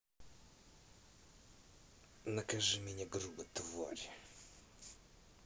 накажи меня грубо